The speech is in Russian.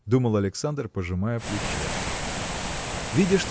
– думал Александр, пожимая плечами. Видя